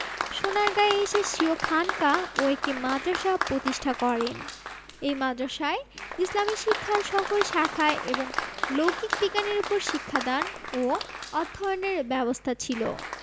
সোনারগাঁয়ে এসে স্বীয় খানকা ও একটি মাদ্রাসা প্রতিষ্ঠা করেন এই মাদ্রাসায় ইসলামি শিক্ষার সকল শাখায় এবং লৌকিক বিজ্ঞানের ওপর শিক্ষাদান ও অধ্যয়নের ব্যবস্থা ছিল